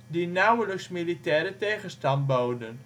die nauwelijks militaire tegenstand boden